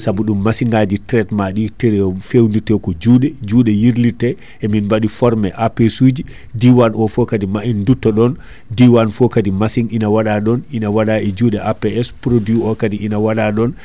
saabu ɗum massiŋaji traitement ɗi trai fewnirte ko juuɗe juuɗe yirlirte hemin baɗi formé APS suji diwan o foo kaadi ma en dutto ɗon diwan foo kaadi machine ina waɗa ɗon ina waɗa e juuɗe APS produit o ne kaadi ina waɗa ɗon